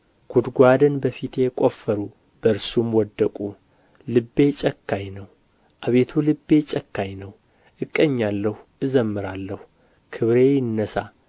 ጕድጓድ በፊቴ ቈፈሩ በእርሱም ወደቁ ልቤ ጨካኝ ነው አቤቱ ልቤ ጨካኝ ነው እቀኛለሁ እዘምራለሁ ክብሬ ይነሣ